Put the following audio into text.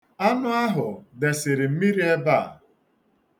Anụ ahụ desịrị mmiri ebe a.